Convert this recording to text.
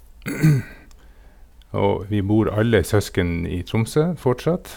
Og vi bor alle søsken i Tromsø, fortsatt.